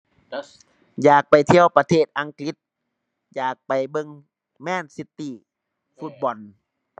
อยากไปเที่ยวประเทศอังกฤษ อยากไปเบิ่งแมนซิตี ฟุตบอล